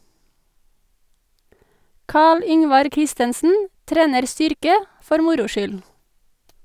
Carl Yngvar Christensen trener styrke for moro skyld.